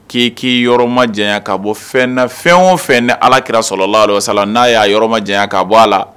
K'i k'i yɔrɔ ma jan kaa bɔ fɛn fɛn o fɛn ni alakira sɔrɔla sala n'a y'a yɔrɔ ma jan k'a bɔ a la